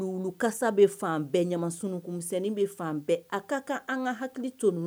Wulukasa bɛ fan bɛɛ ɲasummisɛnsɛn bɛ fan bɛɛ a ka kan an ka hakili cogo